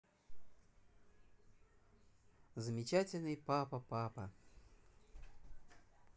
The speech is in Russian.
замечательный папа папа